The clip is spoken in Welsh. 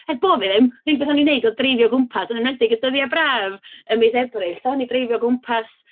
Er bo' fi ddim, yr unig beth o'n i'n ei wneud oedd dreifio o gwmpas, yn enwedig y dyddiau braf ym mis Ebrill, tibod, o'n i'n dreifio o gwmpas...